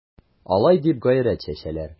Алай дип гайрәт чәчәләр...